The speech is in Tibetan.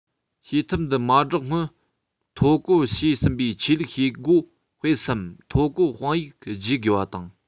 བྱེད ཐབས འདི མ བསྒྲགས སྔོན ཐོ བཀོད བྱས ཟིན པའི ཆོས ལུགས བྱེད སྒོ སྤེལ སས ཐོ བཀོད དཔང ཡིག བརྗེ དགོས པ དང